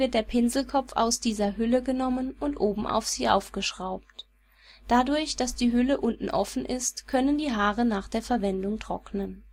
der Pinselkopf aus dieser Hülle genommen und oben auf sie aufgeschraubt. Dadurch, dass die Hülle unten offen ist, können die Haare nach der Verwendung trocknen